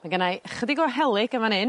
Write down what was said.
Ma' gynna i chydig o helyg yn fan hyn,